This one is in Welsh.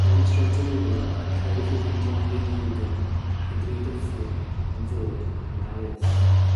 Mae Mistar Antolini yn rhoi rhywfaint o arian i Holden ac yn dweud wrtho am fod yn ofalus.